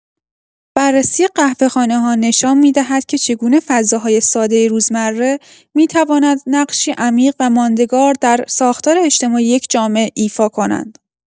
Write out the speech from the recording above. بررسی قهوه‌خانه‌ها نشان می‌دهد که چگونه فضاهای ساده روزمره می‌توانند نقشی عمیق و ماندگار در ساختار اجتماعی یک جامعه ایفا کنند.